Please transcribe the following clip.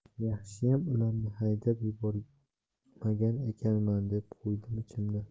yaxshiyam ularni haydab yubormagan ekanman deb qo'ydim ichimda